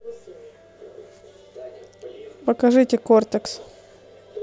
покажите кортекс